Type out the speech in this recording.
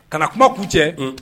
Kana kuma'u cɛ